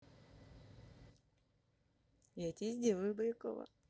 я тебе сделаю баюкова